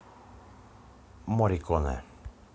morricone